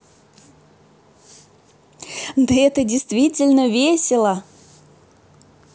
да это действительно весело